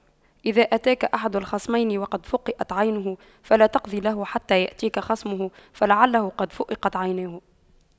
إذا أتاك أحد الخصمين وقد فُقِئَتْ عينه فلا تقض له حتى يأتيك خصمه فلعله قد فُقِئَتْ عيناه